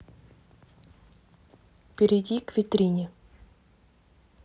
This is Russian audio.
перейди к витрине